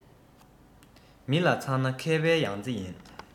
མི ལ ཚང ན མཁས པའི ཡང རྩེ ཡིན